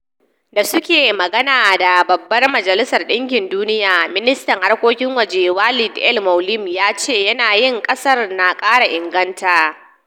Da suke magana da Babbar Majalisar Dinki Duniya, ministan harkokin waje Walid al-Moualem yace yanayin kasar na kara inganta.